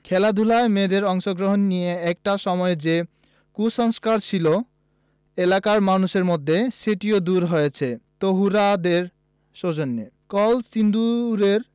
খেলাধুলায় মেয়েদের অংশগ্রহণ নিয়ে একটা সময় যে কুসংস্কার ছিল এলাকার মানুষের মধ্যে সেটিও দূর হয়েছে তহুরাদের সৌজন্যে কলসিন্দুরের